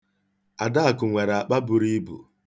Adakụ nwere akpa buru ibu.